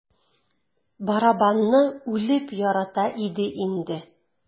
Барабанны үлеп ярата иде инде.